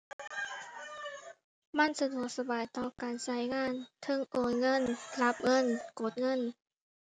มันสะดวกสบายต่อการใช้งาน เทิงโอนเงิน รับเงิน กดเงิน